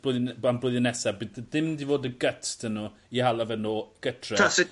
blwyddyn n- am blwyddyn nesa by' d- dim 'di fod y gyts 'dy n'w i hala fe nô' gytre. Tase...